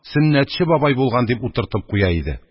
«сөннәтче бабай булган», – дип утыртып куя иде.